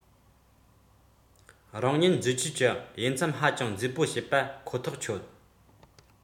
རང ཉིད མཛེས འཆོས གྱི དབྱེ མཚམས ཧ ཅང མཛེས པོ བྱེད པ ཁོ ཐག ཆོད